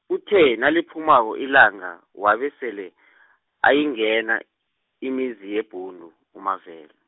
lithe naliphumako ilanga, wabe sele , ayingena, imizi yeBhundu, uMavela.